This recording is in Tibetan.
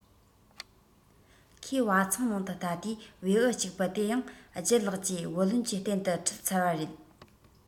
ཁོས བ ཚང ནང དུ ལྟ དུས བེའུ གཅིག པུ དེ ཡང ལྗད ལགས ཀྱིས བུ ལོན གྱི རྟེན དུ ཁྲིད ཚར བ རེད